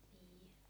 niin